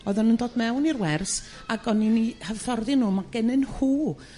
o'ddan nhw'n dod mewn i'r wers ag o'n i'n 'u hyfforddi nhw ma' genyn nhw